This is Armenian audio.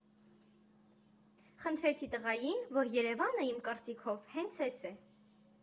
Խնդրեցի տղային, որ Երևանը, իմ կարծիքով, հենց էս է։